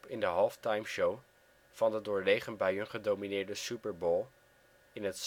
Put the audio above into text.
in de half-time show van de door regenbuien gedomineerde Super Bowl in het